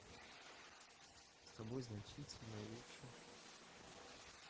с тобой значительно лучше